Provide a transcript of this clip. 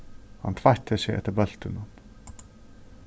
hann tveitti seg eftir bóltinum